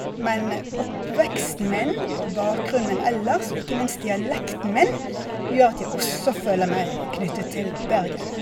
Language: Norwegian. Men oppveksten min og bakgrunnen min ellers, og ikke minst dialekten min, gjør at jeg også føler meg knyttet til Bergen.